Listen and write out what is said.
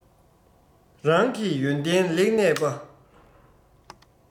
རང གི ཡོན ཏན ལེགས གནས པ